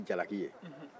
na ye jalaki ye